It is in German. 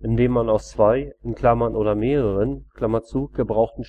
indem aus zwei (oder mehreren) gebrauchten